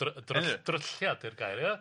dry- dryll- dryllia 'di'r gair ia?